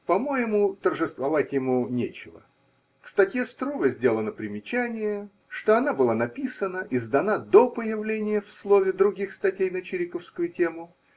По-моему, торжествовать ему нечего: к статье Струве сделано примечание, что она была написана и сдана до появления в Слове других статей на чириковскую тему.